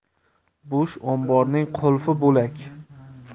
bo'sh omborning qulfi bo'lak